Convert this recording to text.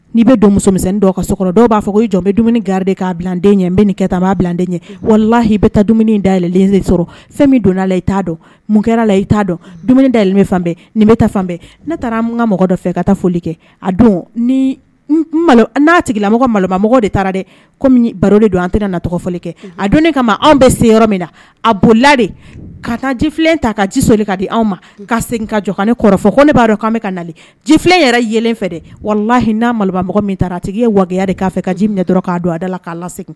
N'i bɛ don musomisɛnsɛn ka so dɔw b'a fɔ ko i jɔn bɛ dumuni gari de k'a biladen ɲɛ n bɛ nin kɛ taa b'a biladen ɲɛ walalahi i bɛ taa dumuni da yɛlɛɛlɛn sɔrɔ fɛn min donna la i t' dɔn mun kɛra la i ta dɔn da fan nin bɛ fan ne taara an mɔgɔ dɔ fɛ ka taa foli kɛ a don ni n'a tigilamɔgɔ malobamɔgɔ de taara dɛ kɔmi baro de don an tɛna na tɔgɔ fɔli kɛ a don ne kama anw bɛ se yɔrɔ min na a bolila de ka taa jifilen ta ka ji soli k ka di anw ma ka segin ka jɔ ka kɔrɔfɔ ko b'a dɔn an bɛ ka nali jifi yɛrɛ yelen fɛ dɛ wala hinɛ n'a malobamɔgɔ min taara a tigi ye waya de' fɛ ka ji min na dɔrɔn k'a don a dala la k'a la segin